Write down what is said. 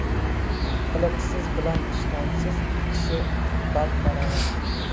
qiliqsiz bilan ishtonsiz ikkisi bab baravar